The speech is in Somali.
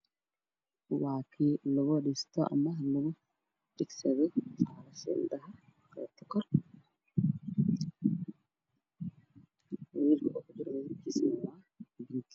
Ha keed lagu dagsado ma lagu degsado alaabta kalrkiisu waa jaalle iyo buluug